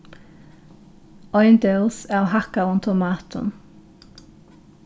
ein dós av hakkaðum tomatum